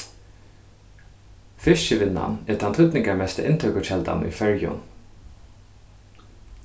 fiskivinnan er tann týdningarmesta inntøkukeldan í føroyum